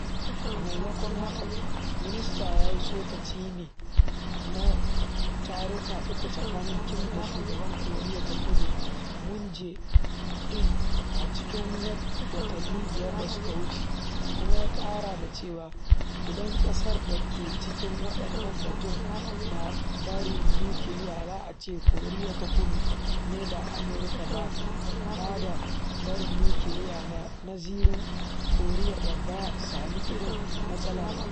A maimakon haka ministan ya yi tsokaci ne na taruka uku tsakanin Kim da shugaban Koriya ta Kudu Moon Jae-in a cikin watanni biyar da suka wuce kuma ya ƙara da cewa: “Idan kasar da ke cikin wannan batun na barin nukiliya za a ce Koriya ta Kudu ne ba Amurka ba da barin nukiliyar na zirin Koriya da ba sami irin matsalar ba.”